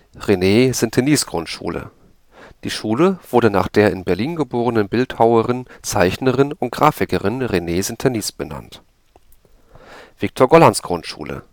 Renée-Sintenis-Grundschule Die Schule wurde nach der in Berlin geborenen Bildhauerin, Zeichnerin und Grafikerin Renée Sintenis benannt. Victor-Gollancz-Grundschule